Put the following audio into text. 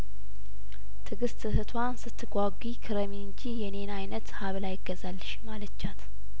ትግስት እህቷን ስትጓጉ ክረሚ እንጂ የኔን አይነት ሀብል አይገዛልሽም አለቻት